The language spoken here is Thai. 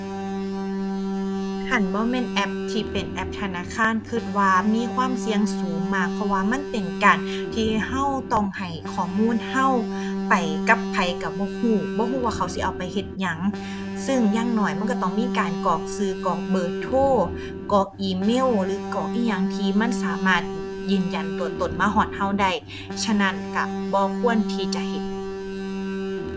หั้นบ่แม่นแอปที่เป็นแอปธนาคาร คิดว่ามีความเสี่ยงสูงมาก เพราะว่ามันเป็นการที่คิดต้องให้ข้อมูลคิดไปกับไผคิดบ่คิด บ่คิดว่าเขาสิเอาไปเฮ็ดหยัง ซึ่งอย่างน้อยมันคิดต้องมีการกรอกคิด กรอกเบอร์โทร กรอกอีเมล หรือกรอกอิหยังที่มันสามารถยืนยันตัวตนมาฮอดคิดได้ ฉะนั้นคิดบ่ควรที่จะเฮ็ด